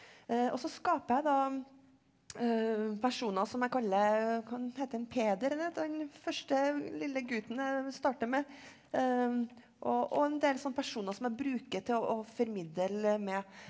og så skaper jeg da personer som jeg kaller hva han heter han Peder er det det han heter han første lille gutten jeg starter med og og en del sånn personer som jeg bruker til å å formidle med.